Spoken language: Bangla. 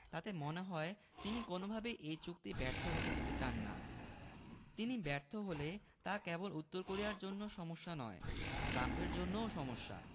তাতে মনে হয় তিনি কোনোভাবেই এই চুক্তি ব্যর্থ হতে দিতে চান না তিনি ব্যর্থ হলে তা কেবল উত্তর কোরিয়ার জন্য সমস্যা নয় ট্রাম্পের জন্যও সমস্যা